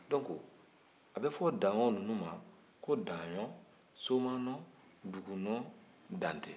o la a bɛ fɔ daɲɔn ninnu ma ko daɲɔn somanɔ dugunɔn dante